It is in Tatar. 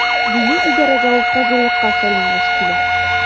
Дини идарәгә ул казыйлыкка сайлангач килә.